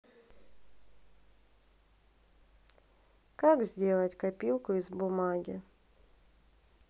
как сделать копилку из бумаги